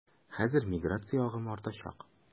Хәзер миграция агымы артачак.